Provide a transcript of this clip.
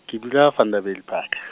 ke dula Vanderbijlpark.